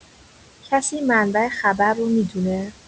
کسی منبع خبر رو می‌دونه؟